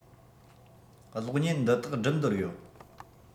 གློག བརྙན འདི དག སྒྲུབ འདོད ཡོད